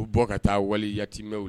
U bɔ ka taa wali yatimɛw